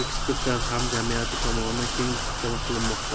ekspertlar hamjamiyati tomonidan keng muhokama qilinmoqda